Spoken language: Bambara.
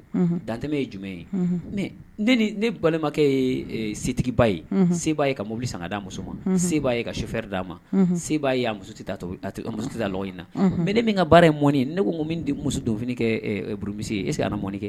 Dantɛ ye jumɛn ne balimakɛ ye setigiba ye se b'a ka mobili san ka' muso ma se b'a ye ka sofɛri d'a ma se b'a y'a muso muso in na mɛ ne min ka baara ye mɔni ne ko min muso donf kɛ buru ye e se ka m mɔnɔni kɛ